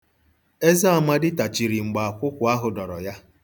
Eze Amadi tachiri mgbe akwụkwụ ahụ dọrọ ya.